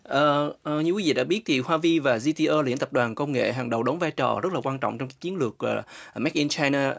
ờ ờ như quý vị đã biết thì hoa vi và di ti ơ luyện tập đoàn công nghệ hàng đầu đóng vai trò rất là quan trọng trong chiến lược ờ mết in chai nơ